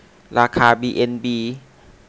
ราคาบีเอ็นบี